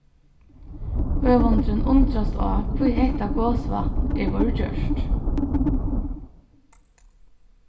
høvundurin undrast á hví hetta gosvatn er vorðið gjørt